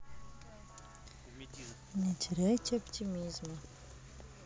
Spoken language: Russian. не теряйте оптимизма